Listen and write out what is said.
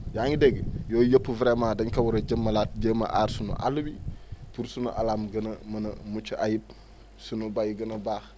yaa ngi dégg yooyu yëpp vraiment dañ ko war a jëmmalaat jéem a aar suñu àll bi pour suñu alam gën a mun a mucc ayib sunu béy gën a baax